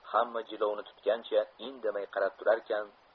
hamma jilovni tutgancha indamay qarab turarkan